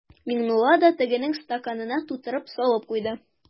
Миңнулла да тегенең стаканына тутырып салып куйды.